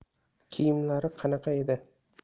kiyimlari qanaqa edi